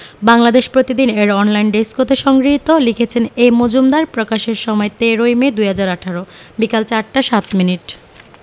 বাংলাদেশ প্রতিদিন এর online desk হতে সংগৃহীত লিখেছেনঃ এ মজুমদার প্রকাশের সময় ১৩ ই মে ২০১৮ বিকেল ৪ টা ০৭ মিনিট